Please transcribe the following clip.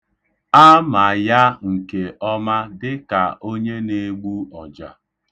A ma ya nke ọma dịka onye na-egbu ọja.